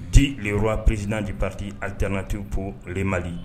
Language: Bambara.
Di ppsdina de pati alidte ko mali